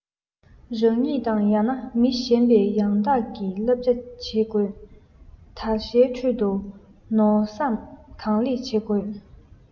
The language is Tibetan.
རང ཉིད དང ཡང ན མི གཞན པའི ཡང དག གི བསླབ བྱ བྱེད དགོས བདར ཤའི ཁྲོད དུ མནོ བསམ གང ལེགས བྱེད དགོས